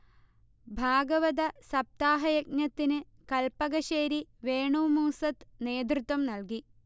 ഭാഗവത സപ്താഹ യജ്ഞത്തിന് കല്പകശ്ശേരി വേണു മൂസ്സത് നേതൃത്വം നൽകി